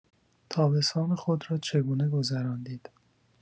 تابستان خود را چگونه گذراندید؟